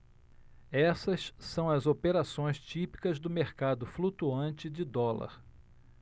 essas são as operações típicas do mercado flutuante de dólar